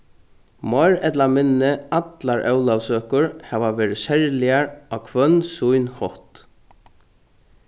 meir ella minni allar ólavsøkur hava verið serligar á hvønn sín hátt